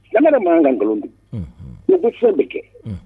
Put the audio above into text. Ɲa mankankankolon bi ne bɛ fɛn bɛ kɛ